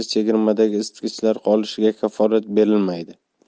chegirmadagi isitgichlar qolishiga kafolat berilmaydi